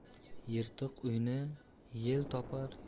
yirtiq uyni yel topar